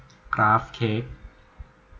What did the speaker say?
กราฟเค้ก